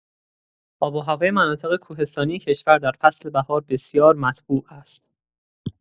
آب و هوای مناطق کوهستانی کشور در فصل بهار بسیار مطبوع است.